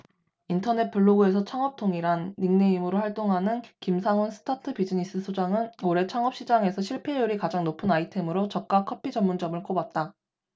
인터넷 블로그에서창업통이란 닉네임으로 활동하는 김상훈 스타트비즈니스 소장은 올해 창업시장에서 실패율이 가장 높은 아이템으로 저가 커피 전문점을 꼽았다